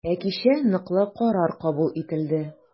Ә кичә ныклы карар кабул ителде.